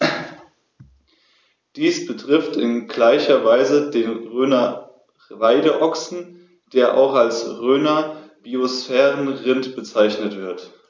Dies betrifft in gleicher Weise den Rhöner Weideochsen, der auch als Rhöner Biosphärenrind bezeichnet wird.